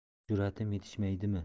juratim yetishmaydimi